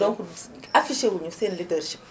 donc affiché wuñu seen leadership